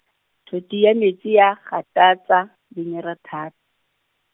thothi ya metsi ya, gakatsa, lenyora that-.